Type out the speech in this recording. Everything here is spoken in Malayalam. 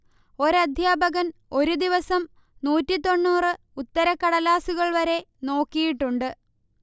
ഒരു അദ്ധ്യാപകൻ ഒരു ദിവസം നൂറ്റിത്തൊണ്ണൂറ് ഉത്തരക്കടലാസുകൾ വരെ നോക്കിയിട്ടുണ്ട്